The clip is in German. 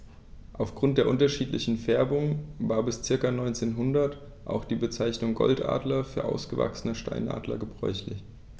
Auf Grund der unterschiedlichen Färbung war bis ca. 1900 auch die Bezeichnung Goldadler für ausgewachsene Steinadler gebräuchlich.